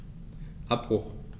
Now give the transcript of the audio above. Abbruch.